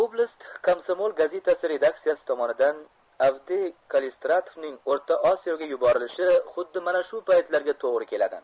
oblast komsomol gazetasi redaktsiyasi tomonidan avdiy kallistratovning o'rta osiyoga yuborilishi xuddi mana shu paytlarga to'g'ri keladi